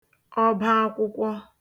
ọbaakwụkwọ